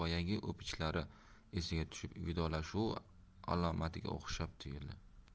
o'pichlari esiga tushib vidolashuv alomatiga o'xshab tuyuldi